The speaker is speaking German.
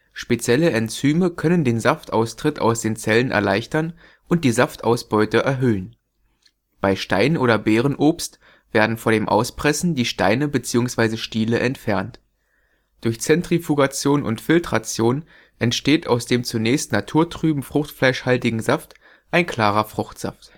Spezielle Enzyme können den Saftaustritt aus den Zellen erleichtern und die Saftausbeute erhöhen. Bei Stein - und Beerenobst werden vor dem Auspressen die Steine bzw. Stiele entfernt. Durch Zentrifugation und Filtration entsteht aus dem zunächst naturtrüben fruchtfleischhaltigen Saft ein klarer Fruchtsaft